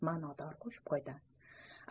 ma'nodor qo'shib qo'ydi